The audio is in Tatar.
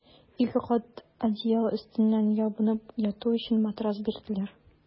Ике кат одеял өстеннән ябынып яту өчен матрас бирделәр.